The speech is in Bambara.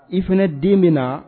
I fana den bɛ na